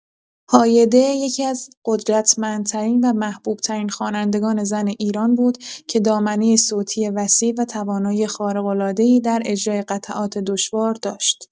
هایده یکی‌از قدرتمندترین و محبوب‌ترین خوانندگان زن ایران بود که دامنه صوتی وسیع و توانایی خارق‌العاده‌ای در اجرای قطعات دشوار داشت.